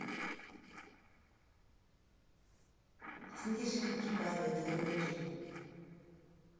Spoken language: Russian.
снежинки падают по в руке